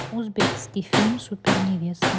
узбекский фильм супер невеста